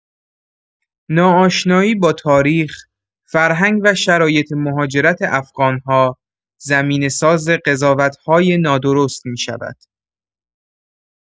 ناآشنایی با تاریخ، فرهنگ و شرایط مهاجرت افغان‌ها، زمینه‌ساز قضاوت‌های نادرست می‌شود.